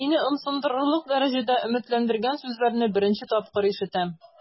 Мине ымсындырырлык дәрәҗәдә өметләндергән сүзләрне беренче тапкыр ишетәм.